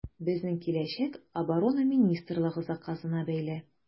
Безнең киләчәк Оборона министрлыгы заказына бәйле.